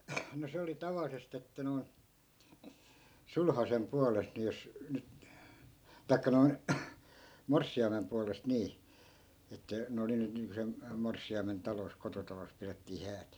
no se oli tavallisesti että noin sulhasen puolesta niin jos nyt tai noin morsiamen puolesta niin että ne oli nyt niin kuin sen morsiamen talossa kototalossa pidettiin häät